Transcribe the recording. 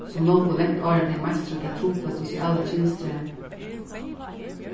sum longu langt áðrenn tey meistra tað trupla sosiala kynstrið